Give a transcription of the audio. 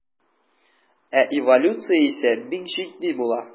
Ә эволюция исә бик җитди була.